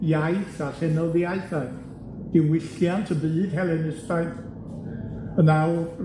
iaith a llenyddiaethau, diwylliant y byd Helenistaidd, a nawr